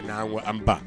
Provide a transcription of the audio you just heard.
Naamu an ba